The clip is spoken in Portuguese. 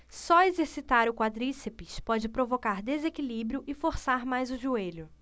só exercitar o quadríceps pode provocar desequilíbrio e forçar mais o joelho